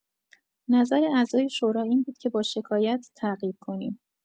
نظر اعضای شورا این بود که با شکایت تعقیب کنیم.